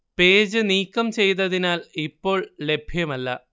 page നീക്കം ചെയ്തതിനാൽ ഇപ്പോൾ ലഭ്യമല്ല